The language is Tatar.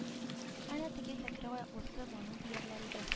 Әнә теге кәкре аяклысы бану диярләр иде